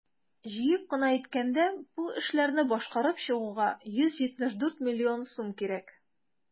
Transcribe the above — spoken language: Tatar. Җыеп кына әйткәндә, бу эшләрне башкарып чыгуга 174 млн сум кирәк.